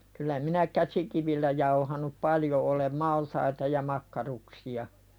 kyllä minä käsikivillä jauhanut paljon olen maltaita ja makkaruksia